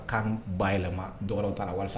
' ba yɛlɛma dɔgɔw taara wari